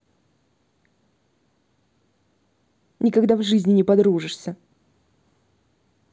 никогда в жизни не подружишься